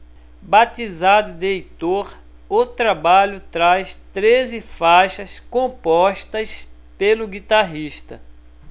batizado de heitor o trabalho traz treze faixas compostas pelo guitarrista